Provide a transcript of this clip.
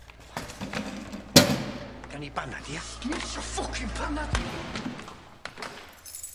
Hei, gawn ni banad ia? Dwi'n isio ffycin panad!